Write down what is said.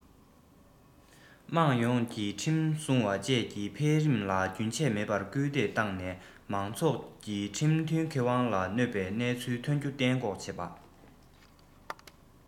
དམངས ཡོངས ཀྱིས ཁྲིམས སྲུང བ བཅས ཀྱི འཕེལ རིམ ལ རྒྱུན ཆད མེད པར སྐུལ འདེད བཏང ནས མང ཚོགས ཀྱི ཁྲིམས མཐུན ཁེ དབང ལ གནོད པའི གནས ཚུལ ཐོན རྒྱུ གཏན འགོག བྱེད དགོས